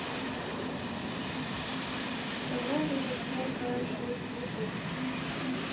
когда выйдет far cry шесть youtube